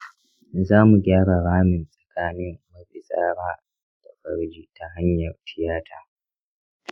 za mu gyara ramin tsakanin mafitsara da farji ta hanyar tiyata.